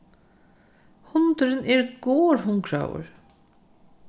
hundurin er gorhungraður